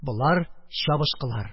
Болар чабышкылар.